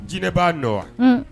Jinɛ b'a nɔ wa, hun